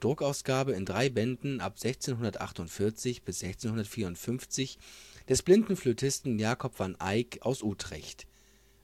Druckausgabe in drei Bänden ab 1648 bis 1654) des blinden Flötisten Jacob van Eyck aus Utrecht,